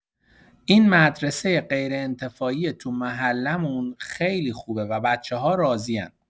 این مدرسه غیرانتفاعی تو محله‌مون خیلی خوبه و بچه‌ها راضی‌ان.